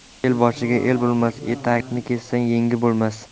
eli boshqa el bo'lmas etakni kessang yeng bo'lmas